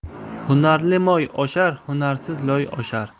hunarli moy oshar hunarsiz loy oshar